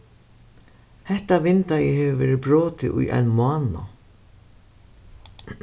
hetta vindeygað hevur verið brotið í ein mánað